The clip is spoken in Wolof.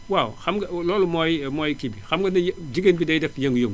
waaw xam nga loolu mooy mooy kii bi xam nga dañuy jigéen bi day def yëngu-yëngu